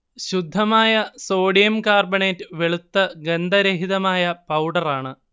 ശുദ്ധമായ sodium carbonate വെളുത്ത ഗന്ധരഹിതമായ പൗഡറാണ്